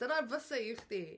Dyna fyse un chdi.